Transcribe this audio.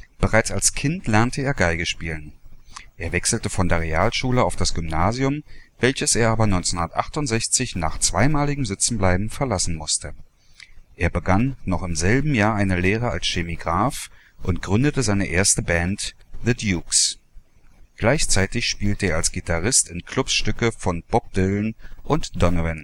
Bereits als Kind lernte er Geige spielen. Er wechselte von der Realschule auf das Gymnasium, welches er aber 1968 nach zweimaligem Sitzenbleiben verlassen musste. Er begann noch im selben Jahr eine Lehre als Chemigraf und gründete seine erste Band The Dukes. Gleichzeitig spielte er als Gitarrist in Clubs Stücke von Bob Dylan und Donovan. Im